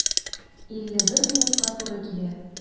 51 минутка туры килә.